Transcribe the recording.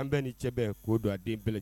An bɛɛ ni cɛ bɛɛ ye k ko don a den bɛɛ kɛ